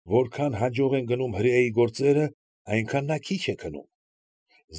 Որքան հաջող են գնում հրեայի գործերը, այնքան նա քիչ է քնում։